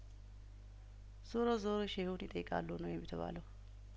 ዞሮ ዞሮ ሼሁን ይጠይቃሉ ነው የተባለው